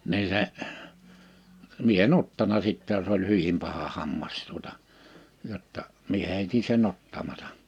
niin se minä en ottanut sitten jos oli hyvin paha hammas tuota jotta minä heitin sen ottamatta